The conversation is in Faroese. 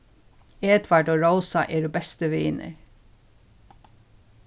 edvard og rósa eru bestu vinir